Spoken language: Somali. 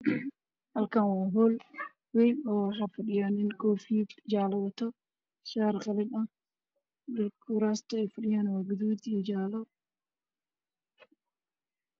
Waa hool waxaa iskugu imaaday niman fara badan kuraas gudeed ayey ku fadhiyaan shatiyo ayey wataan